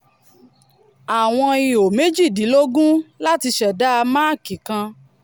Àwọn ihò méjìdínlógun láti ṣẹ̀dá máàkì kan.